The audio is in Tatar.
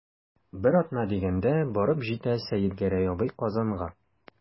Бер атна дигәндә барып җитә Сәетгәрәй абый Казанга.